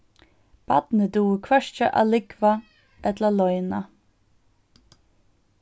barnið dugir hvørki at lúgva ella loyna